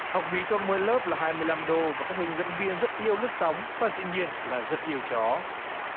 học phí cho mỗi lớp là hai mươi lăm đô và các hướng dẫn viên rất yêu lướt sóng và dĩ nhiên là rất yêu chó